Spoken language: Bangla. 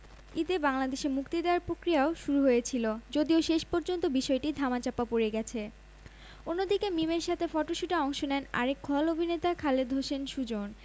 সম্প্রতি কলকাতায় রাজা চন্দের পরিচালনায় সুলতান সিনেমার কাজ করেছেন তিনি এতে মিমের সহশিল্পী রয়েছেন কলকাতার সুপারস্টার জিৎ ছবিটি ঈদে